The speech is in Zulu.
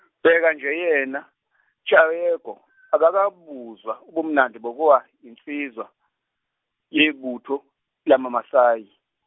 bheka nje yena akakabuzwa ubumnandi bokuba yinsizwa, yebutho lamaMasayi.